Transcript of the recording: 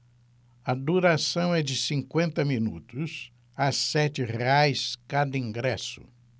a duração é de cinquenta minutos a sete reais cada ingresso